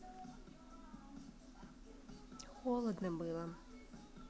холодно было